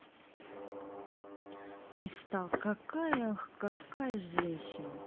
пристал какая ах какая женщина